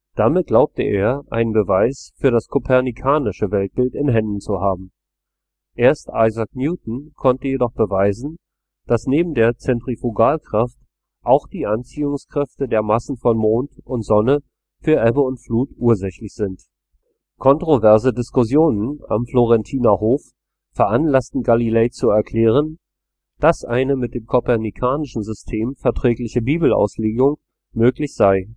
Damit glaubte er, einen Beweis für das kopernikanische Weltbild in Händen zu haben. Erst Isaac Newton konnte jedoch beweisen, dass neben der Zentrifugalkraft auch die Anziehungskräfte der Massen von Mond und Sonne für Ebbe und Flut ursächlich sind. Kontroverse Diskussionen am Florentiner Hof veranlassten Galilei zu erklären, dass eine mit dem kopernikanischen System verträgliche Bibelauslegung möglich sei